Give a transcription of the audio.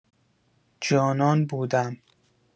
جانان بودم